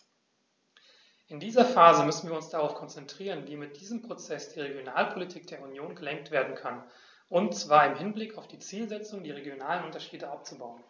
In dieser Phase müssen wir uns darauf konzentrieren, wie mit diesem Prozess die Regionalpolitik der Union gelenkt werden kann, und zwar im Hinblick auf die Zielsetzung, die regionalen Unterschiede abzubauen.